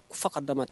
Ko fa ka dan tɛ